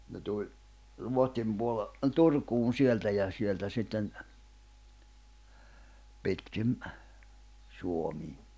ne tuli Ruotsin -- Turkuun sieltä ja sieltä sitten pitkin Suomea